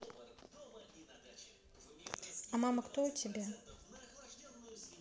а мама кто у тебя